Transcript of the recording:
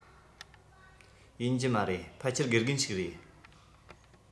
ཡིན གྱི མ རེད ཕལ ཆེར དགེ རྒན ཞིག རེད